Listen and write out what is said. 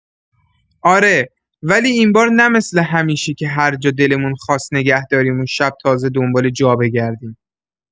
آره، ولی این بار نه مثل همیشه که هر جا دلمون خواست نگه داریم و شب تازه دنبال جا بگردیم.